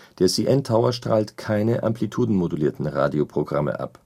CN Tower strahlt keine amplitudenmodulierten Radioprogramme (AM) ab